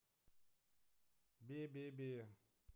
бе бе бе